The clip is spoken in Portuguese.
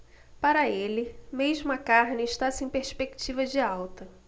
para ele mesmo a carne está sem perspectiva de alta